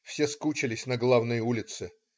Все скучились на главной улице.